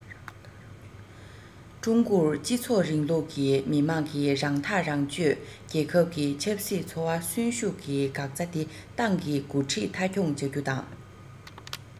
ཀྲུང གོར སྤྱི ཚོགས རིང ལུགས ཀྱི མི དམངས ཀྱིས རང ཐག རང གཅོད རྒྱལ ཁབ ཀྱི ཆབ སྲིད འཚོ བ གསོན ཤུགས ཀྱིས འགག རྩ དེ ཏང གི འགོ ཁྲིད མཐའ འཁྱོངས བྱ རྒྱུ དང